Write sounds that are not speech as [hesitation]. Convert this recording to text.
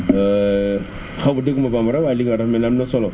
[hesitation] xaw ma déggu ma bambara waaye li nga wax dafa mel ni am na solo